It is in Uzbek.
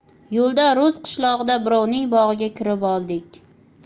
yo'lda rus qishlog'ida birovning bog'iga kirib oldik